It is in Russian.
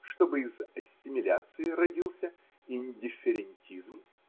чтобы из ассимиляции родился индифферентизм?!